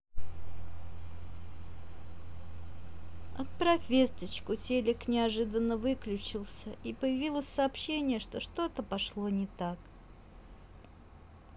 отправь весточку телик неожиданно выключился и появилось сообщение что то пошло не так